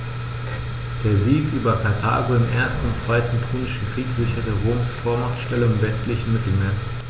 Der Sieg über Karthago im 1. und 2. Punischen Krieg sicherte Roms Vormachtstellung im westlichen Mittelmeer.